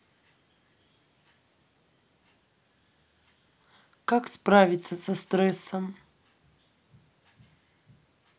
как справиться со стрессом